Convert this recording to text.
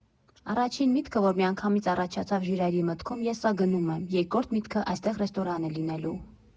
Առաջին միտքը, որ միանգամից առաջացավ Ժիրայրի մտքում՝ «Ես սա գնում եմ», երկրորդ միտքը՝ «Այստեղ ռեստորան է լինելու»։